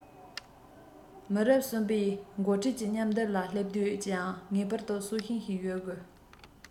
མི རབས གསུམ པའི འགོ ཁྲིད ཀྱི མཉམ བསྡེབ ལ སླེབས དུས ཀྱང ངེས པར དུ སྲོག ཤིང ཞིག ཡོད དགོས